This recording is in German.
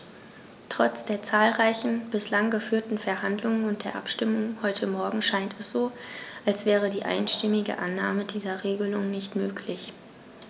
Trotz der zahlreichen bislang geführten Verhandlungen und der Abstimmung heute Morgen scheint es so, als wäre die einstimmige Annahme dieser Regelung nicht möglich.